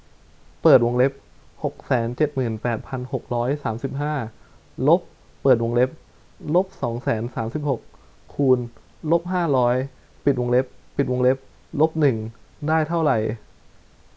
เปิดวงเล็บหกแสนเจ็ดหมื่นแปดพันหกร้อยสามสิบห้าลบเปิดวงเล็บลบสองแสนสามสิบหกคูณลบห้าร้อยปิดวงเล็บปิดวงเล็บลบหนึ่งได้เท่าไร